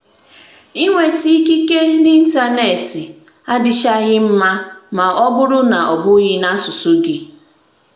Ịnweta ikike n'ịntanetị adịchaghị mma ma ọ bụrụ na ọ bụghị n'asụsụ gị!